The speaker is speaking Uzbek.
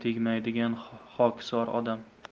tegmaydigan xokisor odam